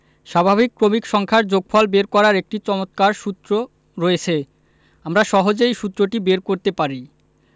স্বাভাবিক ক্রমিক সংখ্যার যোগফল বের করার একটি চমৎকার সূত্র রয়েছে আমরা সহজেই সুত্রটি বের করতে পারি